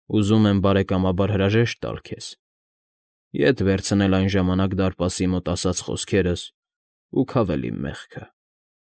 Ուզում եմ բարեկամաբար հրաժեշտ տալ քեզ, ետ վերցնել այն ժամանակ դարպասի մոտ ասած խոսքերս ու քավել իմ մեղքը։